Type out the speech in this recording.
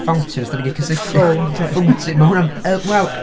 Fountain os dan ni'n gallu cysylltu... .. yym, wel.